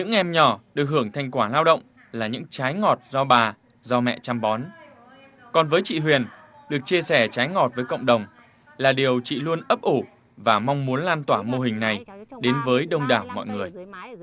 những em nhỏ được hưởng thành quả lao động là những trái ngọt do bà do mẹ chăm bón còn với chị huyền được chia sẻ trái ngọt với cộng đồng là điều chị luôn ấp ủ và mong muốn lan tỏa mô hình này đến với đông đảo mọi người